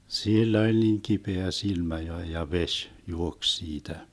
sillä oli niin kipeä silmä jo ja vesi juoksi siitä